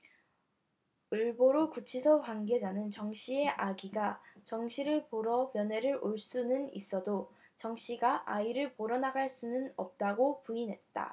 올보르 구치소 관계자는 정 씨의 아기가 정 씨를 보러 면회를 올 수는 있어도 정 씨가 아기를 보러 나갈 수는 없다고 부인했다